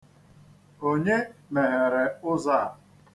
Onye mehere ụzọ a?